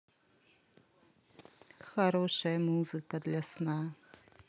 хорошая музыка для сна